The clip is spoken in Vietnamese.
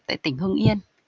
tại tỉnh hưng yên